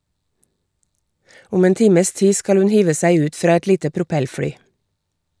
Om en times tid skal hun hive seg ut fra et lite propellfly.